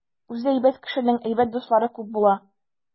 Үзе әйбәт кешенең әйбәт дуслары күп була.